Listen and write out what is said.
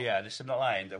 Ia nes ymlaen 'de.